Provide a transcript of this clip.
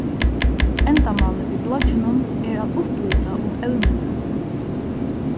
endamálið við blogginum er at upplýsa um evnini